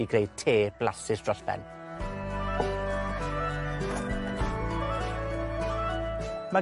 i greu te blasus dros ben. Ma'